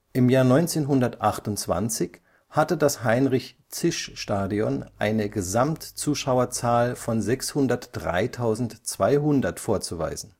Im Jahr 1928 hatte das Heinrich-Zisch-Stadion eine Gesamtzuschauerzahl von 603.200 vorzuweisen